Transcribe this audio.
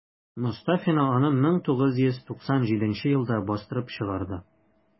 Мостафина аны 1997 елда бастырып чыгарды.